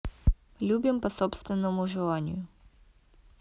любим по собственному желанию